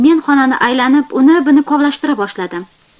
men xonani aylanib uni buni kovlashtira boshladim